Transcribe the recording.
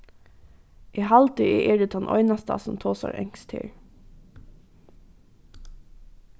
eg haldi eg eri tann einasta sum tosar enskt her